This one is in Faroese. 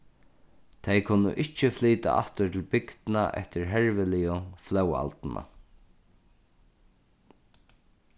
tey kunnu ikki flyta aftur til bygdina eftir herviligu flóðalduna